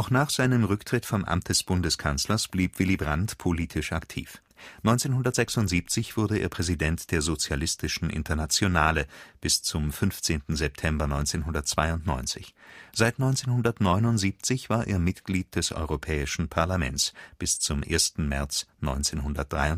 nach seinem Rücktritt vom Amt des Bundeskanzlers blieb Brandt politisch aktiv: 1976 wurde er Präsident der Sozialistischen Internationale (bis zum 15. September 1992), seit 1979 war er Mitglied des Europäischen Parlaments (bis zum 1. März 1983